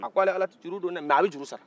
a ko ale ala tɛ juru don dɛ mɛ a bɛ juru sara